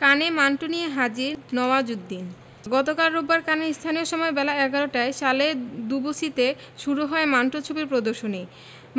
কানে মান্টো নিয়ে হাজির নওয়াজুদ্দিন গতকাল রোববার কানের স্থানীয় সময় বেলা ১১টায় সালে দুবুসিতে শুরু হয় মান্টো ছবির প্রদর্শনী